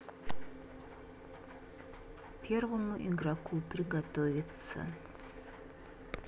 первому игроку приготовиться